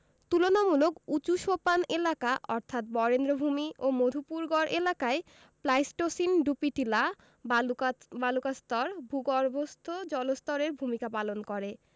তুলনামূলক উঁচু সোপান এলাকা অর্থাৎ বরেন্দ্রভূমি ও মধুপুরগড় এলাকায় প্লাইসটোসিন ডুপি টিলা বালুকাস্তর ভূগর্ভস্থ জলস্তরের ভূমিকা পালন করে